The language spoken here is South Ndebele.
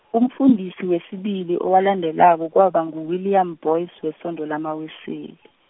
umfundisi wesibili owalandelako kwaba ngu- William Boyce, wesondo lamaWeseli.